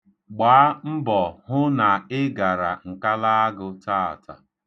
Gbaa mbọ hụ na ị gara Nkalaagụ taata.